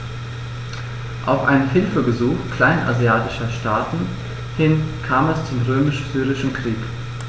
Auf ein Hilfegesuch kleinasiatischer Staaten hin kam es zum Römisch-Syrischen Krieg.